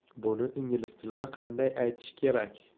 buni ingliz tilida qanday aytish kerak